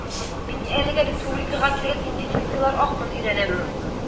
Мин әлегә республикага килгән инвестицияләр агымын өйрәнәм